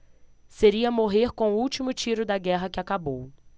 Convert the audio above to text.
seria morrer com o último tiro da guerra que acabou